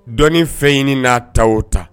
Dɔɔnin fɛɲini n'a ta o ta